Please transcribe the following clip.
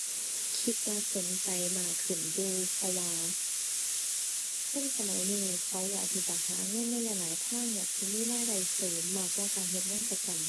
คิดว่าสนใจมากขึ้นอยู่ เพราะว่าคนสมัยนี้เขาอยากที่จะหาเงินในหลายหลายทาง อยากสิมีรายได้เสริมมากกว่าการเฮ็ดงานประจำ